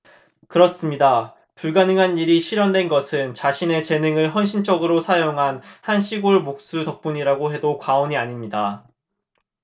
그렇습니다 불가능한 일이 실현된 것은 자신의 재능을 헌신적으로 사용한 한 시골 목수 덕분이라고 해도 과언이 아닙니다